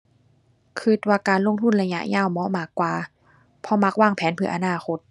คิดว่าการลงทุนระยะยาวเหมาะมากกว่า เพราะมักวางแผนเพื่ออนาคต